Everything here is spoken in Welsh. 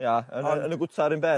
Ie yn y yn y gwtar run beth?